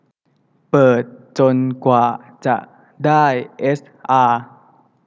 เปิดจนกว่าจะได้เอสอา